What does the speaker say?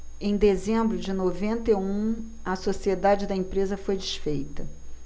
em dezembro de noventa e um a sociedade da empresa foi desfeita